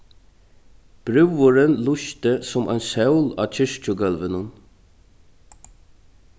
brúðurin lýsti sum ein sól á kirkjugólvinum